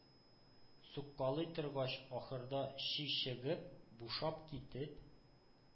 Суккалый торгач, ахырда чөй чыгып, бушап китеп,